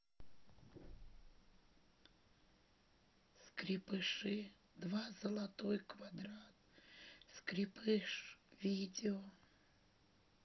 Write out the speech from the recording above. скрепыши два золотой квадрат скрепыш видео